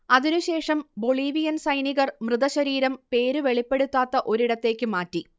അതിനുശേഷം ബൊളീവിയൻ സൈനികർ മൃതശരീരം പേര് വെളിപ്പെടുത്താത്ത ഒരിടത്തേക്ക് മാറ്റി